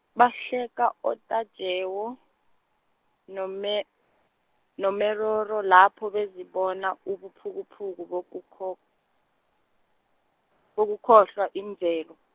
bahleka oTajewo, noMe- noMeroro lapho bezibona ubuphukuphuku, bokukho- bokukhohlwa imvelo.